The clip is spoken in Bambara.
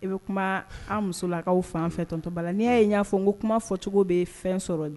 I bɛ kuma an musolakaw fan fɛn Tonton Balla n'i y'a ye n y'a fɔ ko kuma fɔcogo bɛ fɛn sɔrɔ